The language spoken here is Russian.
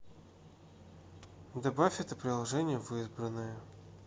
добавь это приложение в избранное